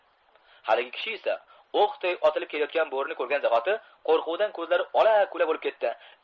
haligi kishi esa o'qday otilib kelayotgan bo'rini ko'rgan zahoti qo'rquvdan ko'zlari ola kula bo'lib ketdi